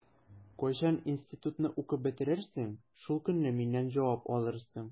Кайчан институтны укып бетерерсең, шул көнне миннән җавап алырсың.